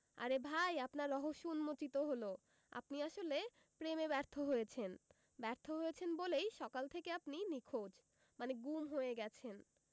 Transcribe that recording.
আরে ভাই আপনার রহস্য উম্মোচিত হলো আপনি আসলে প্রেমে ব্যর্থ হয়েছেন ব্যর্থ হয়েছেন বলেই সকাল থেকে আপনি নিখোঁজ মানে গুম হয়ে গেছেন